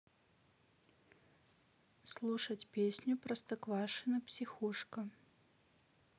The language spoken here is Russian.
слушать песню простоквашино психушка